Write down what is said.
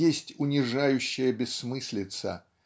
есть унижающая бессмыслица